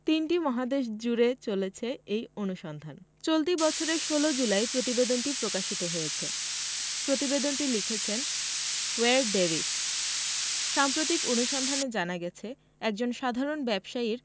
তিনটি মহাদেশজুড়ে চলেছে এই অনুসন্ধান চলতি বছরের ১৬ জুলাই প্রতিবেদনটি প্রকাশিত হয়েছে প্রতিবেদনটি লিখেছেন ওয়্যার ডেভিস সাম্প্রতিক অনুসন্ধানে জানা গেছে একজন সাধারণ ব্যবসায়ীর